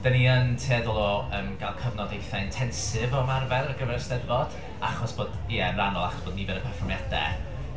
Dan ni yn tueddol o yym, gael cyfnod eitha intensive o ymarfer ar gyfer y 'Steddfod, achos bod ia, yn rhannol achos bod nifer y perfformiadau...